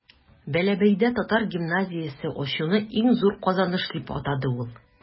Бәләбәйдә татар гимназиясе ачуны иң зур казаныш дип атады ул.